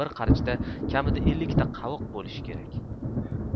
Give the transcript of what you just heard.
bir qarichda kamida ellikta qaviq bo'lishi kerak